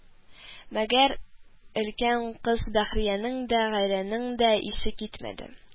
Мәгәр өлкән кыз Бәхриянең дә, Гәрәйнең дә исе китмәде